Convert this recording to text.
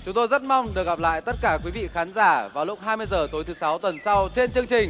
chúng tôi rất mong được gặp lại tất cả quý vị khán giả vào lúc hai mươi giờ tối thứ sáu tuần sau trên chương trình